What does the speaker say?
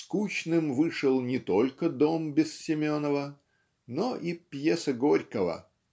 скучным вышел не только дом Безсеменова, но и пьеса Горького.